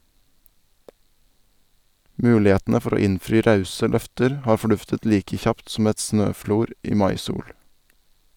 Mulighetene for å innfri rause løfter har forduftet like kjapt som et snøflor i maisol.